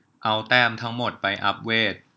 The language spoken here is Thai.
เอาแต้มทั้งหมดไปอัพเว